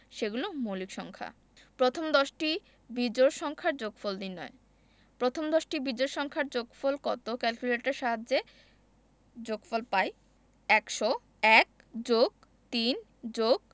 সেগুলো মৌলিক সংখ্যা প্রথম দশটি বিজোড় সংখ্যার যোগফল নির্ণয় প্রথম দশটি বিজোড় সংখ্যার যোগফল কত ক্যালকুলেটরের সাহায্যে যোগফল পাই ১০০ ১+৩+